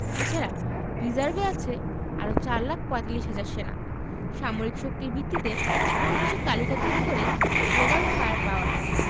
এ ছাড়া রিজার্ভে আছে আরও ৪ লাখ ৪৫ হাজার সেনা সামরিক শক্তির ভিত্তিতে প্রতিবছর তালিকা তৈরি করে গ্লোবাল ফায়ার পাওয়ার